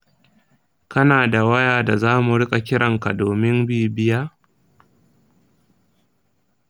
kana da waya da za mu riƙa ƙiranka domin bibiya?